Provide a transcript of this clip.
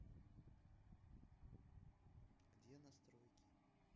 где настройки